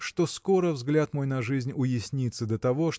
что скоро взгляд мой на жизнь уяснится до того